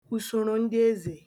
ùsòròndịezè